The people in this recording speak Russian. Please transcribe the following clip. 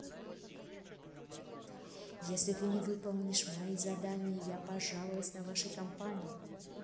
если ты не выполнишь мои задания я пожаловалась на вашей компании